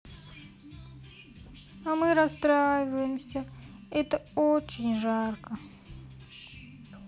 а мы расстраиваемся это очень жарко